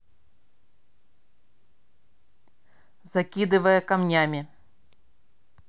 закидывая камнями